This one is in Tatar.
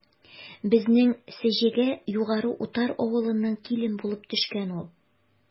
Безнең Сеҗегә Югары Утар авылыннан килен булып төшкән ул.